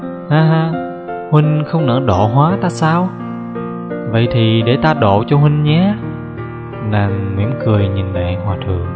haha huynh không nỡ độ hóa ta sao vậy thì để ta độ cho huynh nhé nàng mỉm cười nhìn đại hòa thượng